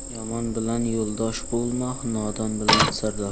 yomon bilan yo'ldosh bo'lma nodon bilan sirdosh